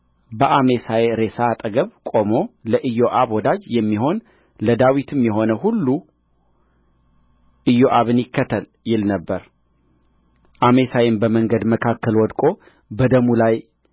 በአሜሳይ ሬሳ አጠገብ ቆሞ ለኢዮአብ ወዳጅ የሚሆን ለዳዊትም የሆነ ሁሉ ኢዮአብን ይከተል ይል ነበር አሜሳይም በመንገድ መካከል ወድቆ በደሙ ላይ